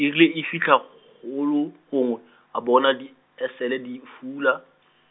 e rile a fitlha, golo gongwe, a bona diesele di fula.